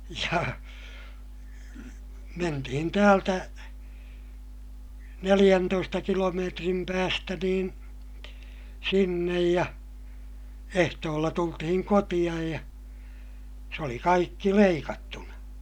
ja mentiin täältä neljäntoista kilometrin päästä niin sinne ja ehtoolla tultiin kotiin ja se oli kaikki leikattuna